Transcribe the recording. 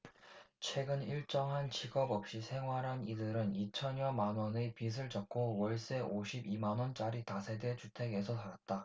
최근 일정한 직업 없이 생활한 이들은 이 천여만원의 빚을 졌고 월세 오십 이 만원짜리 다세대 주택에서 살았다